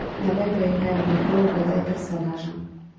давай поиграем в игру угадай персонажа